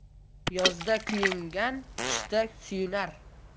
yozda kuyungan qishda suyunar